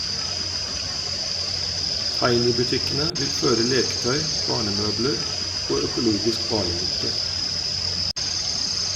Tiny-butikkene vil føre leketøy, barnemøbler og økologisk barnemote.